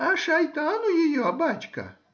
— А шайтану ее, бачка.